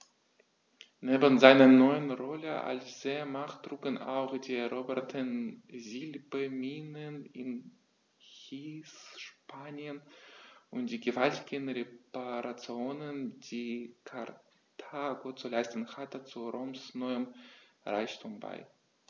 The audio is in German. Neben seiner neuen Rolle als Seemacht trugen auch die eroberten Silberminen in Hispanien und die gewaltigen Reparationen, die Karthago zu leisten hatte, zu Roms neuem Reichtum bei.